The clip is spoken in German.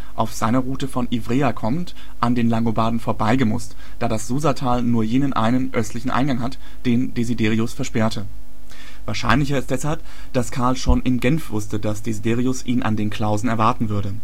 seiner Route von Ivrea kommend, an den Langobarden vorbei gemusst, da das Susatal nur jenen einen östlichen Eingang hat, den Desiderius versperrte. Wahrscheinlicher ist deshalb, dass Karl schon in Genf wusste, dass Desiderius ihn an den Klausen erwarten würde